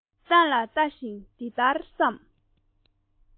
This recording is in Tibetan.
འབབ སྟངས ལ ལྟ བཞིན འདི ལྟར བསམ